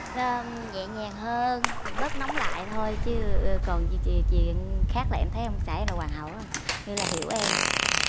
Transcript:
nhẹ nhàng hơn bớt nóng lại thôi chứ còn chuyện chuyện khác là em thấy ông xã em là hoàn hảo rồi như là hiểu em